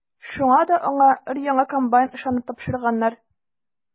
Шуңа да аңа өр-яңа комбайн ышанып тапшырганнар.